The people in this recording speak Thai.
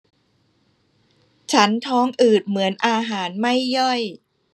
ฉันท้องอืดเหมือนอาหารไม่ย่อย